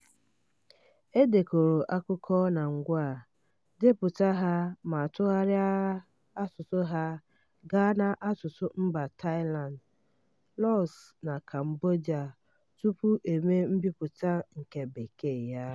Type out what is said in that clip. E dekọrọ akụkọ na ngwa, depụta ha ma tụgharịa asụsụ ha gaa n'asụsụ mba Thailand, Laos, na Cambodia tupu e mee mbipụta nke Bekee ya.